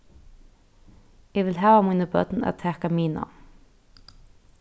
eg vil hava míni børn at taka miðnám